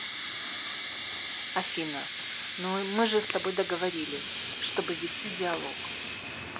афина ну мы же с тобой договорились чтобы вести диалог